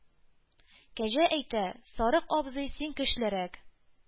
Кәҗә әйтә: «Сарык абзый, син көчлерәк».